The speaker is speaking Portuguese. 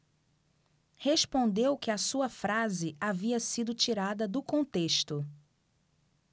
respondeu que a sua frase havia sido tirada do contexto